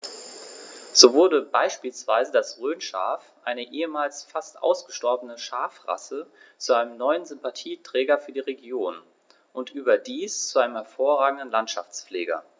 So wurde beispielsweise das Rhönschaf, eine ehemals fast ausgestorbene Schafrasse, zu einem neuen Sympathieträger für die Region – und überdies zu einem hervorragenden Landschaftspfleger.